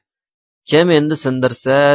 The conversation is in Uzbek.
kim endi sindirsa